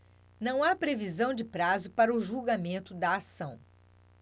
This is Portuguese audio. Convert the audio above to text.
não há previsão de prazo para o julgamento da ação